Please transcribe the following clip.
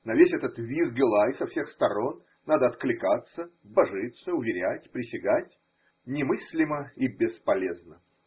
на весь этот визг и лай со всех сторон надо откликаться, божиться, уверять, присягать? Немыслимо и бесполезно.